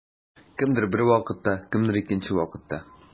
Кемдер бер вакытта, кемдер икенче вакытта.